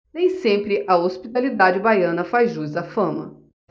nem sempre a hospitalidade baiana faz jus à fama